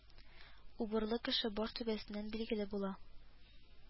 Убырлы кеше баш түбәсеннән билгеле була